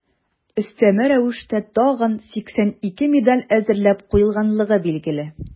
Өстәмә рәвештә тагын 82 медаль әзерләп куелганлыгы билгеле.